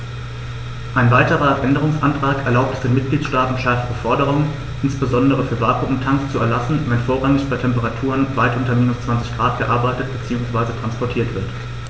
Ein weiterer Änderungsantrag erlaubt es den Mitgliedstaaten, schärfere Forderungen, insbesondere für Vakuumtanks, zu erlassen, wenn vorrangig bei Temperaturen weit unter minus 20º C gearbeitet bzw. transportiert wird.